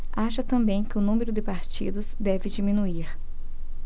acha também que o número de partidos deve diminuir